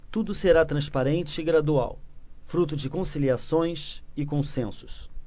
tudo será transparente e gradual fruto de conciliações e consensos